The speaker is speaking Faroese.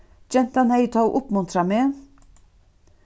gentan hevði tó uppmuntrað meg